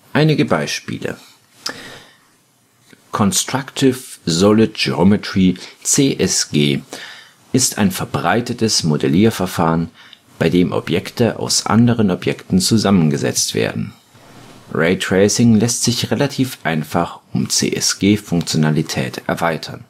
Einige Beispiele: Constructive Solid Geometry (CSG) ist ein verbreitetes Modellierverfahren, bei dem Objekte aus anderen Objekten zusammengesetzt werden. Raytracing lässt sich relativ einfach um CSG-Funktionalität erweitern